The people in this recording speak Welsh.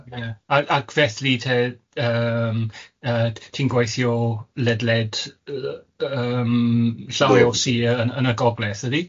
Ie. Ac, ac felly 'te yym yy ti'n gweithio ledled yy yym llawer... ydw... o sir yn yn y Gogledd ydy?